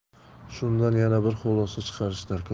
shundan yana bir xulosa chiqishi darkor